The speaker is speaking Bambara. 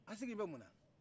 aw sigilen bɛ munna